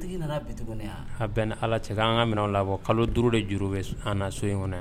Dutigi nana bi tugu ni ? A bɛ ni Allah cɛ an ka minɛnw labɔ kalo 5 de juru bɛ an na so in kɔnɔ yan